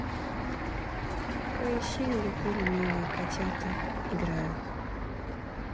поищи на ютубе милые котята играют